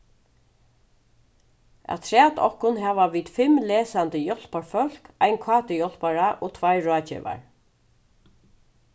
afturat okkum hava vit fimm lesandi hjálparfólk ein kt-hjálpara og tveir ráðgevar